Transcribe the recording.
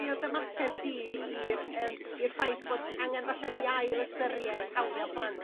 Be o'dd dy ymateb di i'r yym i'r ffaith bod angen 'falla i ni ail ystyried hawlia' plant